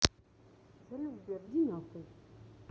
салют сбер ди нахуй